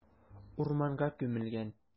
Урманга күмелгән.